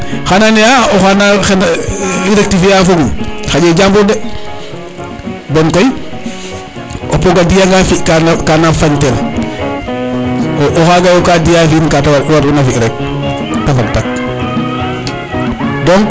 xana ande a o xana xay rectifier fogum xaƴe jambur de bon koy o pog a diya nga fi kana fañ tel o xaga yo ka diya nga fi ka kana fañ tel o xaga yo ka diya fi in kate war una fi rek te fag tak donc